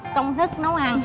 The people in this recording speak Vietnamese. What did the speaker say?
công thức nấu ăn